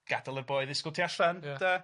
gadael y boi ddisgwl tu allan... Ia. ...de?